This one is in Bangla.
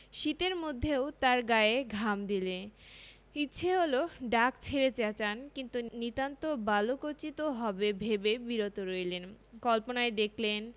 শীতের মধ্যেও তাঁর গায়ে ঘাম দিলে ইচ্ছে হলো ডাক ছেড়ে চেঁচান কিন্তু নিতান্ত বালকোচিত হবে ভেবে বিরত রইলেন কল্পনায় দেখলেন